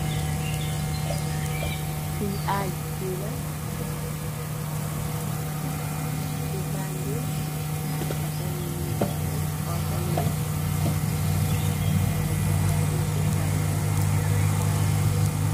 Fi arch bi la si Bànjul ay auto ñungay daw cikaw talibi ay garab nyun ci bori talibi.